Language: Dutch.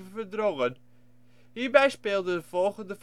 verdrongen. Hierbij speelden volgende